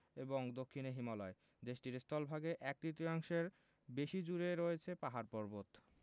এবং দক্ষিনে হিমালয় দেশটির স্থলভাগে এক তৃতীয়াংশের বেশি জুড়ে রয়ছে পাহাড় পর্বত